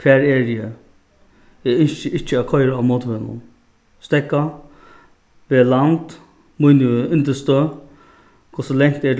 hvar eri eg eg ynski ikki at koyra á motorvegnum steðga vel land míni yndisstøð hvussu langt er